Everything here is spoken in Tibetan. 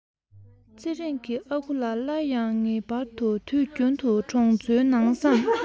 ཚེ རིང གི ཨ ཁུ ལ སླར ཡང ངེས པར དུ དུས རྒྱུན དུ གྲོང ཚོའི ནང བསམ